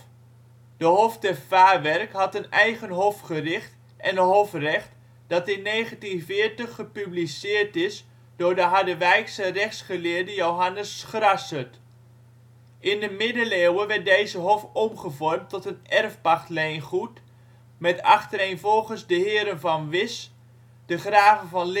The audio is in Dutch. De Hof te Vaarwerk had een eigen hofgericht en hofrecht dat in 1740 gepubliceerd is door de Harderwijkse rechtsgeleerde Johannes Schrassert. In de Middeleeuwen werd deze hof omgevormd tot een erfpachtleengoed, met achtereenvolgens de heren van Wisch, de graven van